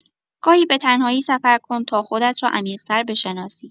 گاهی به‌تنهایی سفر کن تا خودت را عمیق‌تر بشناسی.